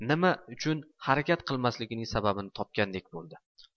nima uchun harakat qilmasligining sababini topgandek bo'ldi